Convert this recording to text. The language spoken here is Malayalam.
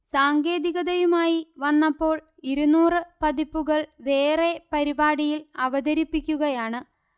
സാങ്കേതികതയുമായി വന്നപ്പോൾ ഇരുന്നൂറ് പതിപ്പുകൾ വേറെ പരിപാടിയിൽ അവതരിപ്പിക്കുകയാണ്